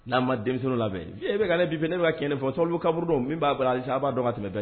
N'an ma denmisɛnniw labɛn Vieux e be ka ne biper ne be ka tiɲɛ de fɔ Sabalibugu kaburudon min b'a bara alisa a' b'a dɔn ka tɛmɛ bɛɛ